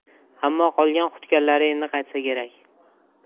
ammo qolgan qutganlari endi qaytsa kerak